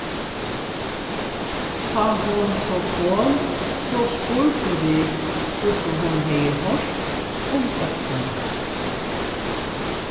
tá hon so kom so spurdu vit hvussu hon hevði hoyrt um okkum